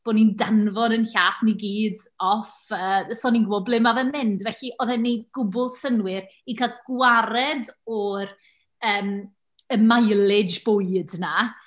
bo' ni'n danfon ein llaeth ni i gyd off, yy, so ni'n gwybod ble ma' fe'n mynd. Felly oedd e'n wneud gwbl synnwyr i cael gwared o'r, yym, y mileage bwyd 'na.